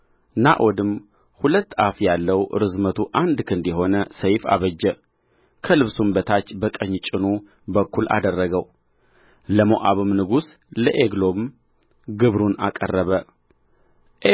ናዖድም ሁለት አፍ ያለው ርዝመቱ አንድ ክንድ የሆነ ሰይፍ አበጀ ከልብሱም በታች በቀኝ ጭኑ በኩል አደረገው ለሞዓብም ንጉሥ ለዔግሎም ግብሩን አቀረበ